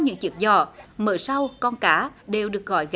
những chiếc giỏ mớ rau con cá đều được gói